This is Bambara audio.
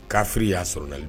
Kafiri i y'a sɔrɔ lali